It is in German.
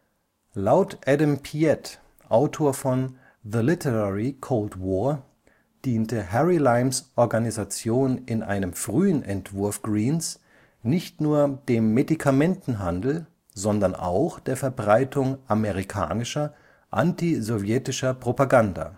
Laut Adam Piette, Autor von The Literary Cold War, diente Harry Limes Organisation in einem frühen Entwurf Greenes nicht nur dem Medikamentenhandel, sondern auch der Verbreitung amerikanischer, anti-sowjetischer Propaganda